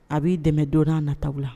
A b'i dɛmɛ don nata la